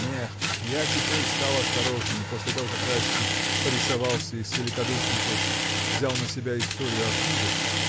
— Нет, я теперь стал осторожнее, после того как Райский порисовался и свеликодушничал: взял на себя историю о книгах.